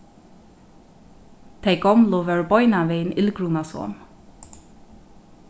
tey gomlu vóru beinanvegin illgrunasom